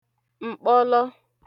m̀kpọlọ